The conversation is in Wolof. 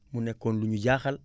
mu nekkoon lu ñu jaaxal